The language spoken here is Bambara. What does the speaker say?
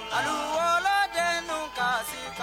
A y wolo kɛ ka sisan